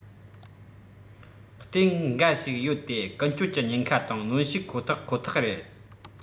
ཏན འགའ ཞིག ཡོད དེ ཀུན སྤྱོད ཀྱི ཉེན ཁ དང གནོན ཤུགས ཁོ ཐག ཁོ ཐག རེད